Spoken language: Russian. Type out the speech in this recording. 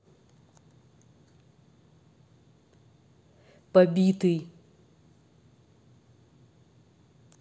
побитый